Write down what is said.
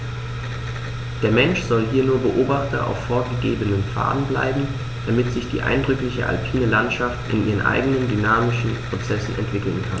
Der Mensch soll hier nur Beobachter auf vorgegebenen Pfaden bleiben, damit sich die eindrückliche alpine Landschaft in ihren eigenen dynamischen Prozessen entwickeln kann.